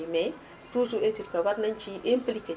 mais toujours est il que war nañu ci impliqué